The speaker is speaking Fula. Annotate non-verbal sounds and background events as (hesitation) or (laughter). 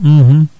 (hesitation) (hesitation)